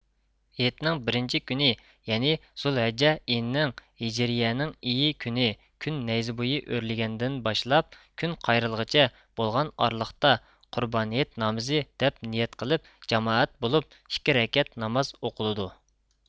ھېيتنىڭ بىرىنچى كۈنى يەنى زۇلھەججە ئېنىڭ ھىجرىيىنىڭ ئېيى كۈنى كۈن نەيزە بۇيى ئۆرلىگەندىن باشلاپ كۈن قايرىلغىچە بولغان ئارىلىقتا قۇربان ھېيت نامىزى دەپ نىيەت قىلىپ جامائەت بولۇپ ئىككى رەكەت ناماز ئوقۇلىدۇ